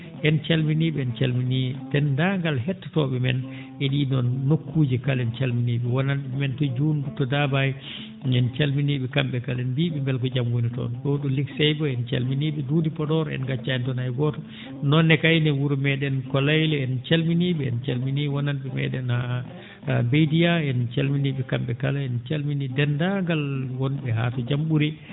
en calminii ?e en calminii denndaangal hettotoo?e men e ?ii ?oon nokkuuji kala en caliminii ?e wonan?e ?umen to Djoum to Dabay en calminii ?e kam?e kala en mbiyii ?e mbele ko jam woni toon to Ligi Seyba en calminii ?e Dudi Podor en ngaccaani toon hay gooto noon ne kayne wuro mee?en Kolayle en calminii ?e en calminii wonan?e mee?en Beydiya en calminii ?e kam?e kala en calminii deenndaangal won?e haa to jam ?uri